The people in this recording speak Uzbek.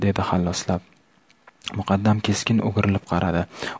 dedi halloslab muqaddam keskin o'girilib qaradi